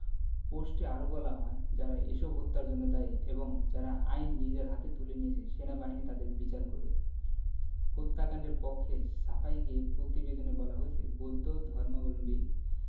পোস্টে আরো বলা হয় যারা এসব হত্যার জন্য দায়ী এবং যারা আইন নিজের হাতে তুলে নিয়েছে সেনাবাহিনী তাদের বিচার করবে হত্যাকাণ্ডের পক্ষে সাফাই গেয়ে প্রতিবেদনে বলা হয়েছে বৌদ্ধ ধর্মাবলম্বী